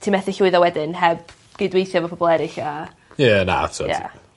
ti methu llwyddo wedyn heb gydweithio efo pobol eryll a... Ie na t'od. Ia.